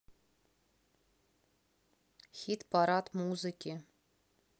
хит парад музыки